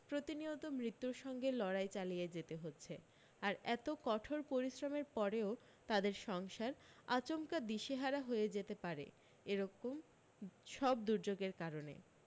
প্রতিনিয়ত মৃত্যুর সঙ্গে লড়াই চালিয়ে যেতে হচ্ছে আর এত কঠোর পরিশ্রমের পরেও তাদের সংসার আচমকা দিশেহারা হয়ে যেতে পারে এইরকম সব দুর্যোগের কারণে